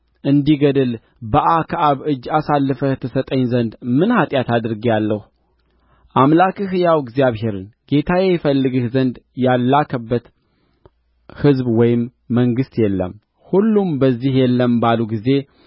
እንዲገድል በአክዓብ እጅ አሳልፈህ ትሰጠኝ ዘንድ ምን ኃጢአት አድርጌአለሁ አምላክህ ሕያው እግዚአብሔርን ጌታዬ ይፈልግህ ዘንድ ያልላከበት ሕዝብ ወይም መንግሥት የለም ሁሉም በዚህ የለም ባሉ ጊዜ